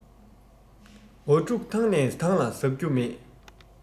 ཝ ཕྲུག ཐང ནས ཐང ལ ཟག རྒྱུ མེད